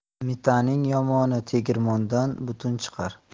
mitaning yomoni tegirmondan butun chiqar